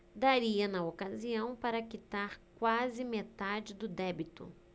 daria na ocasião para quitar quase metade do débito